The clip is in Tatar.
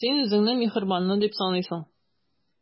Син үзеңне миһербанлы дип саныйсың.